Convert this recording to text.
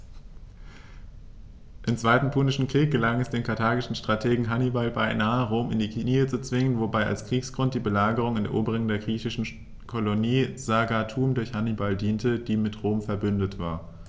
Im Zweiten Punischen Krieg gelang es dem karthagischen Strategen Hannibal beinahe, Rom in die Knie zu zwingen, wobei als Kriegsgrund die Belagerung und Eroberung der griechischen Kolonie Saguntum durch Hannibal diente, die mit Rom „verbündet“ war.